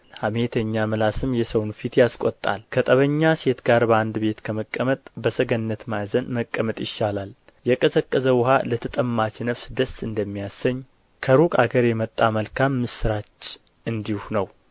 ሐሜተኛ ምላስም የሰውን ፊት ያስቈጣል ከጠበኛ ሴት ጋር በአንድ ቤት ከመቀመጥ በሰገነት ማዕዘን መቀመጥ ይሻላል የቀዘቀዘ ውኃ ለተጠማች ነፍስ ደስ እንደሚያሰኝ ከሩቅ አገር የመጣ መልካም ምስራች እንዲሁ ነው